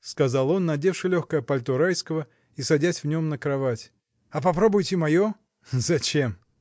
— сказал он, надевши легкое пальто Райского и садясь в нем на кровать. — А попробуйте мое! — Зачем?